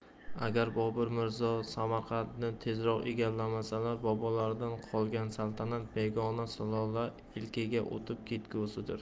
agar bobur mirzo samarqandni tezroq egallamasalar bobolaridan qolgan saltanat begona sulola ilkiga o'tib ketgusidir